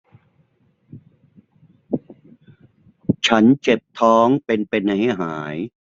ฉันเจ็บท้องเป็นเป็นหายหาย